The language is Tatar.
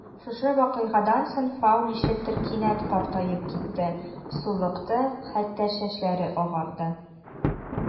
Шушы вакыйгадан соң Фау ничектер кинәт картаеп китте: сулыкты, хәтта чәчләре агарды.